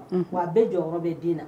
Wa a bɛɛ jɔyɔrɔ bɛ den na